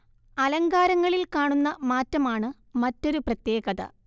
അലങ്കാരങ്ങളിൽ കാണുന്ന മാറ്റമാണ് മറ്റൊരു പ്രത്യേകത